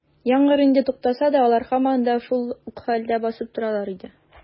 Яңгыр инде туктаса да, алар һаман да шул ук хәлдә басып торалар иде.